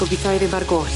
Gobitho ai ddim ar goll.